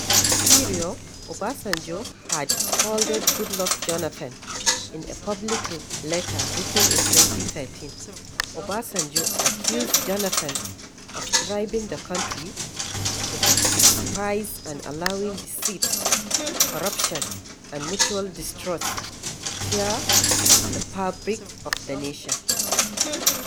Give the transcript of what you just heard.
Prior, Obasanjo had scolded Goodluck Jonathan in a public letter written in 2013, Obasanjo accused Jonathan of driving the country to the precipice and allowing deceit, corruption and mutual distrust to tear at the fabric of the nation.